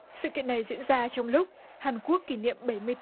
sự kiện này diễn ra trong lúc hàn quốc kỷ niệm bảy mươi